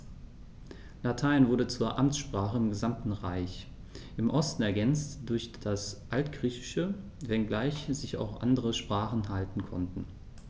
Latein wurde zur Amtssprache im gesamten Reich (im Osten ergänzt durch das Altgriechische), wenngleich sich auch andere Sprachen halten konnten.